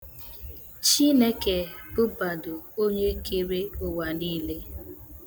Chineke bụgbado onye kere ụwa niile.